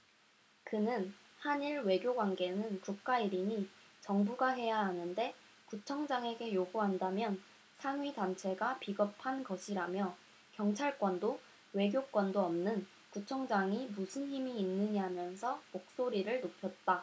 그는 한 일 외교관계는 국가일이니 정부가 해야하는데 구청장에게 요구한다면 상위 단체가 비겁한 것이라며 경찰권도 외교권도 없는 구청장이 무슨 힘이 있느냐면서 목소리를 높였다